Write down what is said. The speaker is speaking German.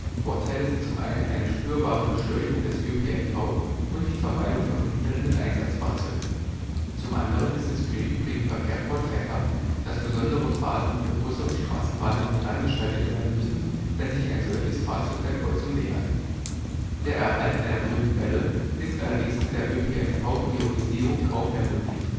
Vorteile sind zum einen eine spürbare Beschleunigung des ÖPNV und die Vermeidung von Unfällen mit Einsatzfahrzeugen. Zum anderen ist es für den übrigen Verkehr vorteilhaft, dass besondere Phasen für Busse und Straßenbahnen nur dann geschaltet werden müssen, wenn sich ein solches Fahrzeug der Kreuzung nähert. Der Erhalt einer grünen Welle ist allerdings mit der ÖPNV-Priorisierung kaum mehr möglich